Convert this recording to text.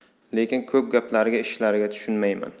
lekin ko'p gaplariga ishlariga tushunmayman